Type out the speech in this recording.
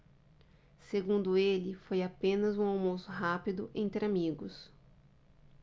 segundo ele foi apenas um almoço rápido entre amigos